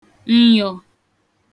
ǹnyọ̀